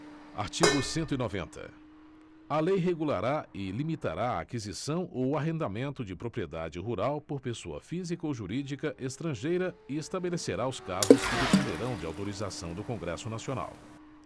artigo cento e noventa a lei regulará e limitará a aquisição ou o arrendamento de propriedade rural por pessoa física ou jurídica estrangeira e estabelecerá os casos que dependerão de autorização do congresso nacional